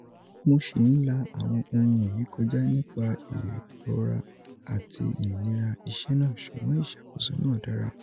Mo ṣi ń la àwọn ohun wọ̀nyí kọjá nípa ìrora àti ìnira iṣẹ náà ṣùgbọ́n ìṣàkóso náà dára.